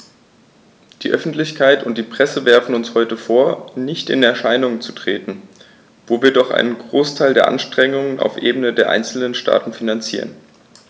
Die Öffentlichkeit und die Presse werfen uns heute vor, nicht in Erscheinung zu treten, wo wir doch einen Großteil der Anstrengungen auf Ebene der einzelnen Staaten finanzieren.